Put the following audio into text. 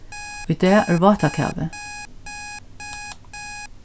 í dag er vátakavi